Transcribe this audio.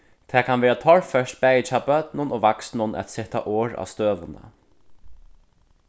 tað kann vera torført bæði hjá børnum og vaksnum at seta orð á støðuna